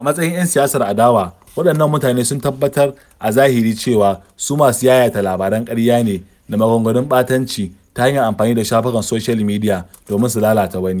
A matsayin 'yan siyasar adawa, waɗannan mutanen sun tabbatar a zahiri cewa su masu yayata labaran ƙarya ne da maganganun ɓatanci, ta hanyar amfani da shafukan soshiyal midiya domin su lalata wani.